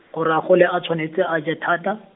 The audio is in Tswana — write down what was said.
gore a gole o tshwanetse a je thata.